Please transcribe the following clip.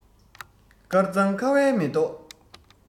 དཀར གཙང ཁ བའི མེ ཏོག